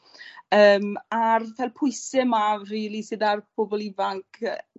Yym a'r ffel pwyse 'ma rili sydd ar pobol ifanc yy